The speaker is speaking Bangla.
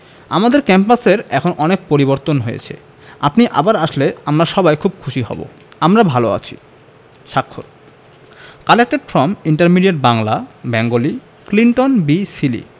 আমাদের ক্যাম্পাসের এখন অনেক পরিবর্তন হয়েছে আপনি আবার আসলে আমরা সবাই খুব খুশি হব আমরা ভালো আছি স্বাক্ষর collected from intermediate Bangla Bengali Clinton B Seely